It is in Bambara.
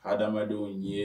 Ha adamadamadenw ye